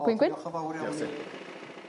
Gwin gwyn. o Diolch fawr iawn i.. Diolch ti.